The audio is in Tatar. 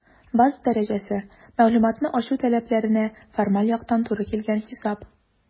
«база дәрәҗәсе» - мәгълүматны ачу таләпләренә формаль яктан туры килгән хисап.